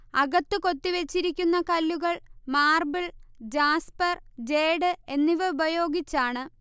അകത്ത് കൊത്തി വച്ചിരിക്കുന്ന കല്ലുകൾ മാർബിൾ ജാസ്പർ ജേഡ് എന്നിവ ഉപയോഗിച്ചാണ്